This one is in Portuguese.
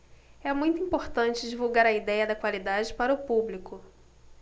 é muito importante divulgar a idéia da qualidade para o público